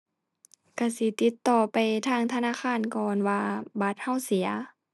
ก็สิติดต่อไปทางธนาคารก่อนว่าบัตรก็เสีย